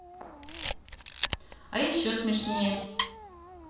а еще смешней